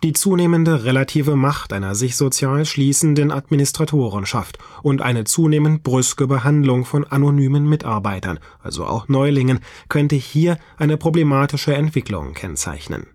zunehmende relative Macht einer sich sozial schließenden Administatorenschaft und eine zunehmend brüske Behandlung von anonymen Mitarbeitern (IP), also zumal auch Neulingen könnten hier eine problematische Entwicklung kennzeichnen